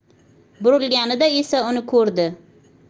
burilganida esa uni ko'rdi